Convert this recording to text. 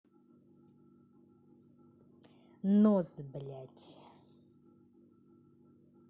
нос блядь